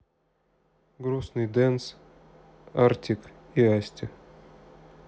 грустный дэнс artik и asti